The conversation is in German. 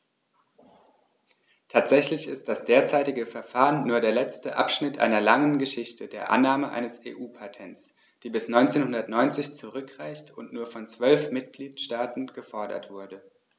Tatsächlich ist das derzeitige Verfahren nur der letzte Abschnitt einer langen Geschichte der Annahme eines EU-Patents, die bis 1990 zurückreicht und nur von zwölf Mitgliedstaaten gefordert wurde.